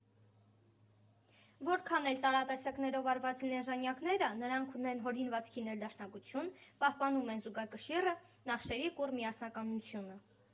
Որքան էլ տարատեսակներով արված լինեն ժանյակները, նրանք ունեն հորինվածքի ներդաշնակություն, պահպանում են զուգակշիռը, նախշերի կուռ միասնականությունը։